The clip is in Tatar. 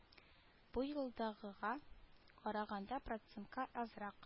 Бу елдагыга караганда процентка азрак